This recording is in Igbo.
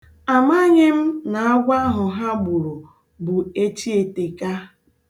Amaghị m na agwọ ahụ ha gburu bụ echieteka.